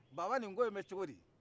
baba nin ko in bɛ cogo di